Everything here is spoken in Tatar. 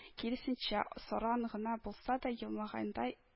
Киресенчә, саран гына булса да елмагандай